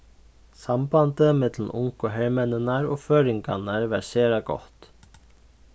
sambandið millum ungu hermenninar og føroyingarnar var sera gott